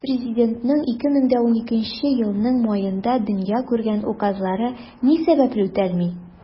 Президентның 2012 елның маенда дөнья күргән указлары ни сәбәпле үтәлми?